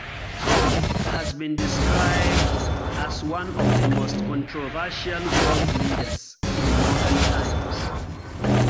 Trump has been described as “one of the most controversial world leaders in modern times."